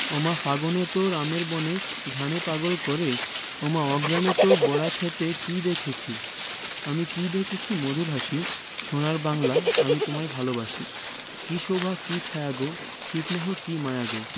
ওমা ফাগুনে তোর আমের বনে ঘ্রাণে পাগল করে ওমা অঘ্রানে তোর ভরা ক্ষেতে কী দেখসি আমি কী দেখেছি মধুর হাসি সোনার বাংলা আমি তোমায় ভালোবাসি কী শোভা কী ছায়া গো কী স্নেহ কী মায়া গো